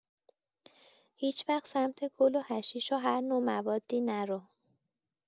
هیچ‌وقت سمت گل و حشیش هر نوع موادی نرو